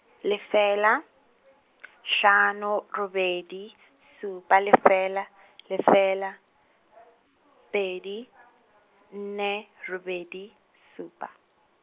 lefela , hlano robedi supa lefela lefela, pedi, nne robedi supa.